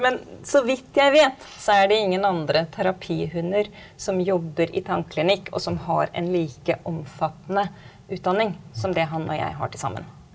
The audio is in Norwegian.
men så vidt jeg vet så er det ingen andre terapihunder som jobber i tannklinikk og som har en like omfattende utdanning som det han og jeg har til sammen.